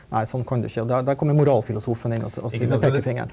nei sånn kan du ikke og der kommer moralfilosofen inn og pekefingeren.